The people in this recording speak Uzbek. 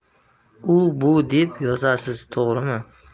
u bu deb yozasiz to'g'rimi